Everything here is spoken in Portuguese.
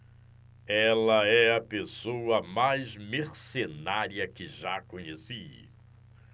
ela é a pessoa mais mercenária que já conheci